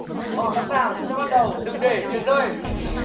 họ sẵn sàng chúng ta bắt đầu đừng để tiền rơi